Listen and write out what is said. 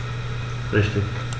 Richtig